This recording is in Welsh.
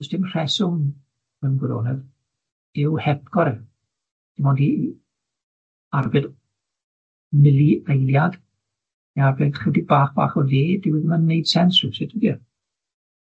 Does dim rheswm, mewn gwirionedd, i'w hepgor e mond i arbed mili eiliad, neu arbed chydig bach bach o le, dyw e ddim am neud sens rywsut ydi e?